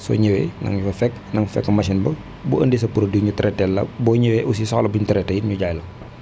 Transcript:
soo ñëwee na nga ñu fa fekk na nga fa fekk machine ba boo ëndee sa produit ñu traité teel la boo ñëwee aussi soxla bu ñu traité it ñu jaay la